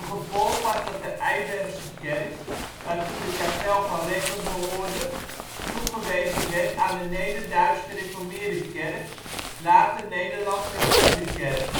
gevolg was dat de Eibergse kerk, waartoe de kapel van Rekken behoorde, toegewezen werd aan de Nederduits Gereformeerde Kerk (later Nederlandse Hervormde Kerk).